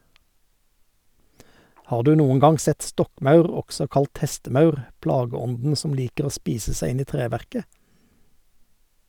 Har du noen gang sett stokkmaur, også kalt hestemaur , plageånden som liker å spise seg inn i treverket?